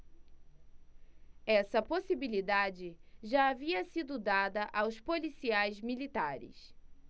essa possibilidade já havia sido dada aos policiais militares